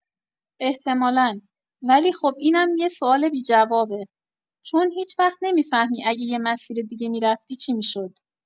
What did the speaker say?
احتمالا، ولی خب اینم یه سوال بی‌جوابه، چون هیچ‌وقت نمی‌فهمی اگه یه مسیر دیگه می‌رفتی چی می‌شد.